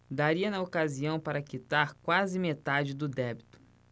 daria na ocasião para quitar quase metade do débito